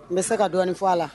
N bɛ se ka dɔɔninɔni fɔ a la